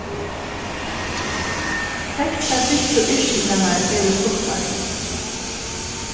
seks tær fyrstu yrkingarnar eru stuttar